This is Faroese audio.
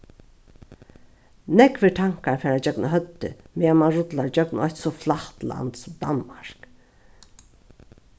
nógvir tankar fara gjøgnum høvdið meðan mann rullar gjøgnum eitt so flatt land sum danmark